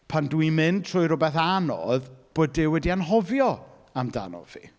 Pan dwi'n mynd trwy rywbeth anodd, bod Duw wedi anghofio amdano fi.